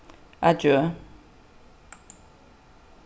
adjø